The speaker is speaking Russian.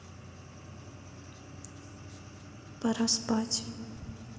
пора спать